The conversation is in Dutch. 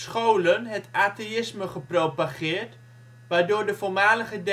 scholen het atheïsme gepropageerd, waardoor de voormalige